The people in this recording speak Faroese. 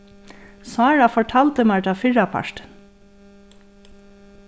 sára fortaldi mær tað fyrrapartin